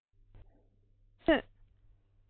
ལྕག ཐབས འོག ནས མར ཐོན